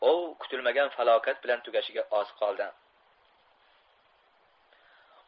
ov kutilmagan falokat bilan tugashiga oz qoldi